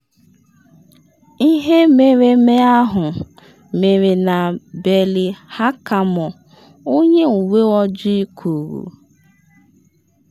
Ihe mmereme ahụ mere na Ballyhackamore, onye uwe ojii kwuru.